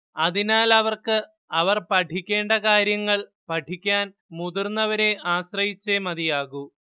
അതിനാൽ അവർക്ക് അവർ പഠിക്കേണ്ട കാര്യങ്ങൾ പഠിക്കാൻ മുതിർന്നവരെ ആശ്രയിച്ചേ മതിയാകൂ